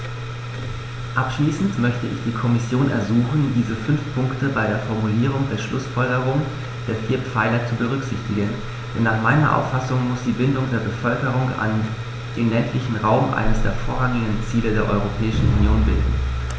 Abschließend möchte ich die Kommission ersuchen, diese fünf Punkte bei der Formulierung der Schlußfolgerungen der vier Pfeiler zu berücksichtigen, denn nach meiner Auffassung muss die Bindung der Bevölkerung an den ländlichen Raum eines der vorrangigen Ziele der Europäischen Union bilden.